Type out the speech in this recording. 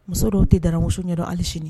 Muso dɔw tɛ daramuso ɲɛ ali sini